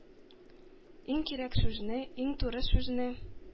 Иң кирәк сүзне, иң туры сүзне